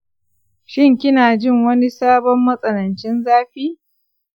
shin kinajin wani sabon matsanancin zafi?